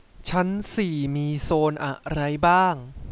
ชั้นสี่มีโซนอะไรบ้าง